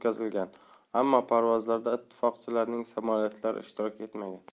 holda o'tkazilgan ammo parvozlarda ittifoqchilarning samolyotlari ishtirok etmagan